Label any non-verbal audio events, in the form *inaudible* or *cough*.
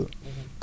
*hesitation* *hesitation*